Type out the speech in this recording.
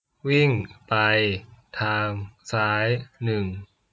วิ่งไปทางซ้ายหนึ่ง